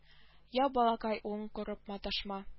Йә балакай уен корып маташма